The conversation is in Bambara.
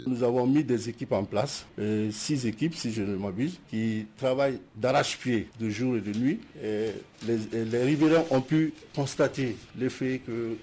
Nous avons mis des équipes en place six equipes si je m'abuse pas, qui travaillent d'arrache pied jour et nuit les riverains ont pu constaté que